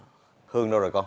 hương đâu rồi con